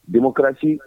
Démocratie